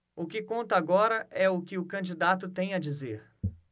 o que conta agora é o que o candidato tem a dizer